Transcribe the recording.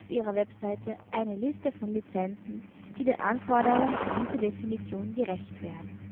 ihrer Webseite eine Liste von Lizenzen die den Anforderungen an diese Definition gerecht werden